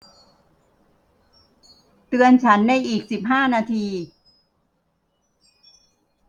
เตือนฉันในอีกสิบห้านาที